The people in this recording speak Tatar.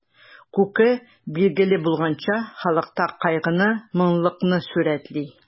Күке, билгеле булганча, халыкта кайгыны, моңлылыкны сурәтли.